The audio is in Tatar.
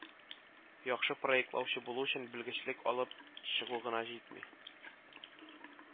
Яхшы проектлаучы булу өчен белгечлек алып чыгу гына җитми